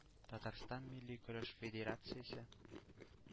Татарстан милли көрәш федерациясе